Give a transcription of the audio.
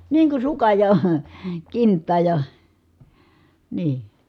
niin kuin sukan ja kintaan ja niin